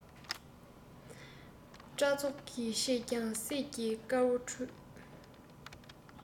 སྐྲ ཚོགས ཀྱི ཕྱེད ཀྱང སད ཀྱིས དཀར བོར བཀྲུས